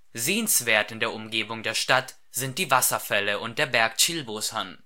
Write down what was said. Sehenswert in der Umgebung der Stadt sind die Wasserfälle und der Berg Chilbosan